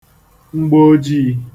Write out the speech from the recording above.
mgboojiī